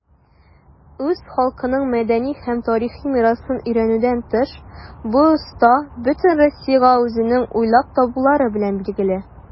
Үз халкының мәдәни һәм тарихи мирасын өйрәнүдән тыш, бу оста бөтен Россиягә үзенең уйлап табулары белән билгеле.